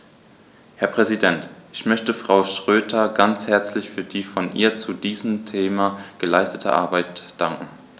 Herr Präsident, ich möchte Frau Schroedter ganz herzlich für die von ihr zu diesem Thema geleistete Arbeit danken.